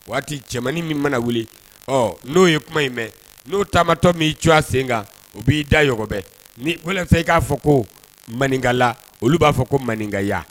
Waati cɛman min mana wuli ɔ n'o ye kuma in mɛn n'o taamatɔ min'i cogoya sen kan u b'i da yɔrɔbɛ ni fɛ i k'a fɔ ko maninkala olu b'a fɔ ko maninkaya